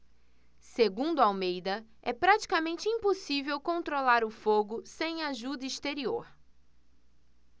segundo almeida é praticamente impossível controlar o fogo sem ajuda exterior